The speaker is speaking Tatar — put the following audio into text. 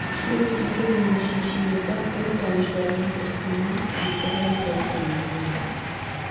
Шул ук 2013 елда ул танышларының берсеннән криптовалюталар турында белде.